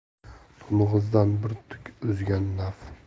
to'ng'izdan bir tuk uzgan naf